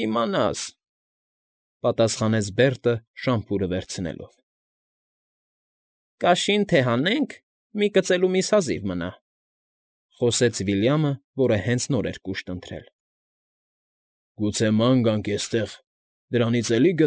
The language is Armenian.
Կիմանաս,֊ պատասխանեց Բերտը՝ շամփուրը վերցնելով։ ֊ Կաշին թե հանենք, մի կծելու միս հազիվ մնա,֊ խոսեց Վիլյամը, որը հենց նոր էր կուշտ ընթրել։ ֊ Գուցե ման գանք, էստեղ դրանցից էլի՞